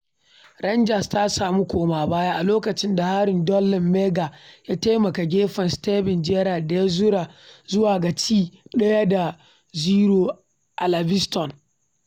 Rangers ta sami koma baya a lokacin da harin Dolly Menga ya taƙaita gefen Steven Gerrard da ya rabu zuwa ga ci 1 da 0 a Livingston.